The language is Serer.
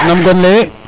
nam gonle ye